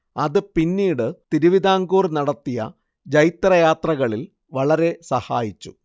അത് പിന്നീട് തിരുവിതാംകൂർ നടത്തിയ ജൈത്രയാത്രകളിൽ വളരെ സഹായിച്ചു